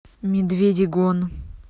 медведи гон